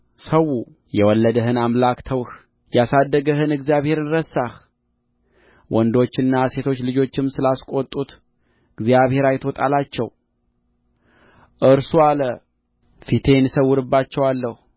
ሠዉ የወለደህን አምላክ ተውህ ያሳደገህን እግዚአብሔርን ረሳህ ወንዶችና ሴቶች ልጆችም ስላስቈጡትእግዚአብሔር አይቶ ጣላቸው እርሱም አለ ፊቴን እሰውርባቸዋለሁ